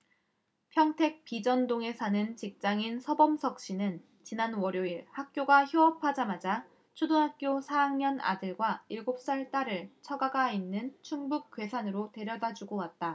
평택 비전동에 사는 직장인 서범석씨는 지난 월요일 학교가 휴업하자마자 초등학교 사 학년 아들과 일곱 살 딸을 처가가 있는 충북 괴산에 데려다주고 왔다